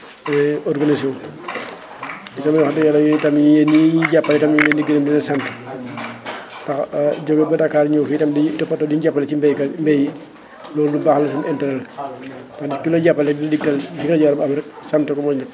organisé wu gis nga wax dëgg yàlla yéen itam yéen ñii jàppale itam ñu ngi leen di gërëm di leen sant jógee ba Dakar ñëw fii itam di toppatoo di jàppale ci baykat béy loolu lu baax la suénu interêt la ndax gis ki la jàppale *** sant ko mooy nit